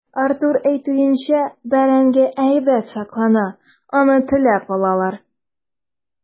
Артур әйтүенчә, бәрәңге әйбәт саклана, аны теләп алалар.